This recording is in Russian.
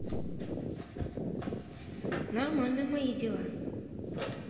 нормально мои дела